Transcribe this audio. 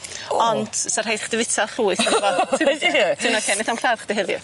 O. Ond sa rhaid chdi fita llwyth o fo. Ti'n ocê neith a'm lladd chdi heddiw.